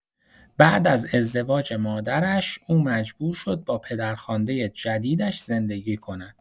بعد از ازدواج مادرش، او مجبور شد با پدرخواندۀ جدیدش زندگی کند.